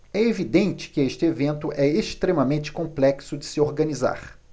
é evidente que este evento é extremamente complexo de se organizar